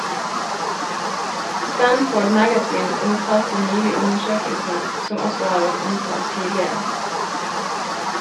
Stanford magazine omtalte nylig undersøkelsen, som også har vært omtalt tidligere.